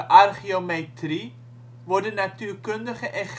archeometrie, worden natuurkundige en